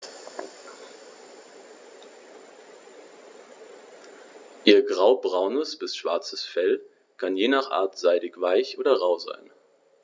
Ihr graubraunes bis schwarzes Fell kann je nach Art seidig-weich oder rau sein.